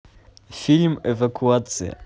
фильм эвакуация